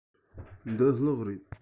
འདི གློག རེད